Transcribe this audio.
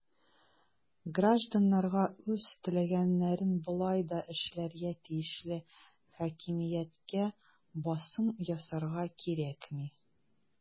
Гражданнарга үз теләгәннәрен болай да эшләргә тиешле хакимияткә басым ясарга кирәкми.